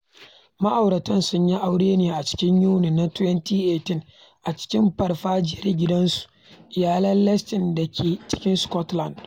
Ma'auratan sun yi aure ne a cikin Yuni na 2018 a cikin farfajiyar gidajen su iyalin Leslie da ke cikin Scotland.